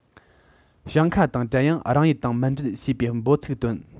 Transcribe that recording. ཞིང ཁ དང བྲལ ཡང རང ཡུལ དང མི འབྲལ ཞེས པའི འབོད ཚིག བཏོན